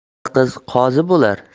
qari qiz qozi bolar